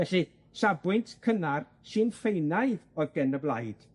Felly, safbwynt cynnar Sinn Féinaidd o'dd gen y blaid,